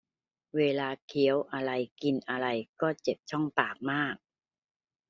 เวลาเคี้ยวอะไรกินอะไรก็เจ็บช่องปากมาก